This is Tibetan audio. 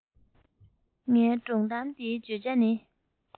ངའི སྒྲུང གཏམ འདིའི བརྗོད བྱ ནི